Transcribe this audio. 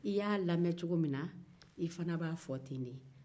i y'a lamɛn cogo min na i fana b'a fɔ ten